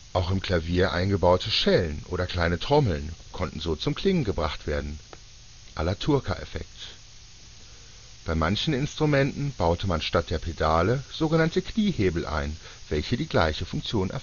Auch im Klavier eingebaute Schellen oder kleine Trommeln konnten so zum Klingen gebracht werden (" alla turca " Effekt). Bei manchen Instrumenten baute man statt der Pedale sogenannte Kniehebel ein, welche die gleiche Funktion